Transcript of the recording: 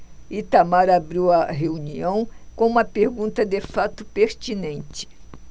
itamar abriu a reunião com uma pergunta de fato pertinente